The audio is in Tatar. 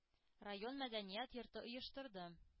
Район мәдәният йорты оештырды.